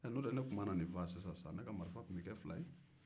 n'o tɛ ne tun mana nin faa sisan ne ka marifa tun bɛ kɛ fila